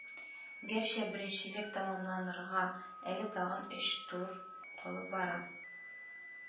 Гәрчә, беренчелек тәмамланырга әле тагын өч тур калып бара